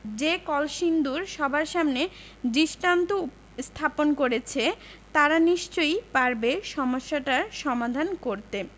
যে কলসিন্দুর সবার সামনে দৃষ্টান্ত স্থাপন করেছে তারা নিশ্চয়ই পারবে সমস্যাটার সমাধান করতে